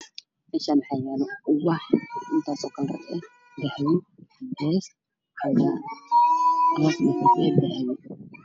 Meeshaan waxaa maray 3 niman ah waxaa ay wateen dhar baluug ah iyo surwaal